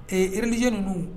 Ee rlijɛ ninnu don